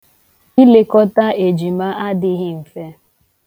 Ilekota ejima adịghị mfe.